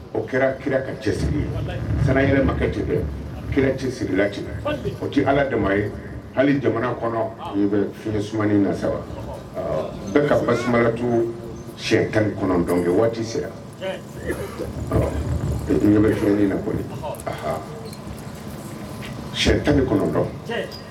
O kɛra kira ka cɛsiri ye san yɛrɛkɛ kira ci sirila o tɛ ala dama ye hali jamana kɔnɔ bɛ f sumain na saba bɛɛ ka bastu siyɛn tan kɔnɔntɔn ye waati sera ɲɛ bɛ fiɲɛyɛnin na kɔni ayɛn tan ni kɔnɔntɔn